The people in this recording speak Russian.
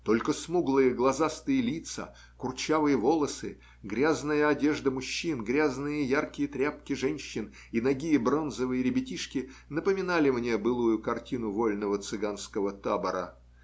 Только смуглые глазастые лица, курчавые волосы, грязная одежда мужчин, грязные яркие тряпки женщин и нагие бронзовые ребятишки напоминали мне былую картину вольного цыганского табора.